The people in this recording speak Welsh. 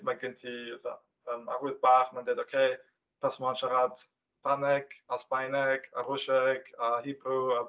Ma' gen ti fatha yym arwydd bach, ma'n dweud "ok mae'r person yma'n siarad Ffrangeg a Sbaeneg a Rwsieg a Hebrew a"...